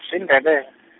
siNdebe- .